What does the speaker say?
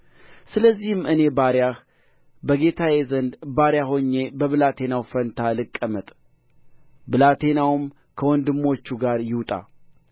ስለዚህም እኔ ባሪያህ በጌታዬ ዘንድ ባሪያ ሆኜ በብላቴናው ፋንታ ልቀመጥ ብላቴናውም ከወንድሞቹ ጋር ይውጣ